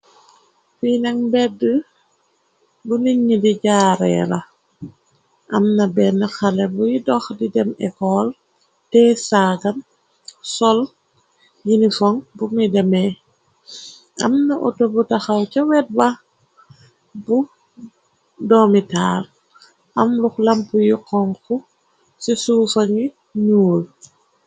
Finak mbedd bu na ñi di jaaree la amna benn xale buy dox di dem ecol tee saagan sol yini foŋ bumuy demee amna auto bu taxaw ca wetba bu doomitaar am rux lamp yu xonxu ci suufañu ñuur.